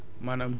ci famille yi bon